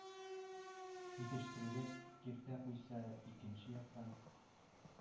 Җитештерүгә киртә куйса, икенче яктан,